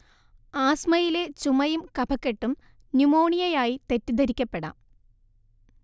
ആസ്മയിലെ ചുമയും കഫക്കെട്ടും ന്യുമോണിയയായി തെറ്റിദ്ധരിക്കപ്പെടാം